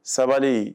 Sabali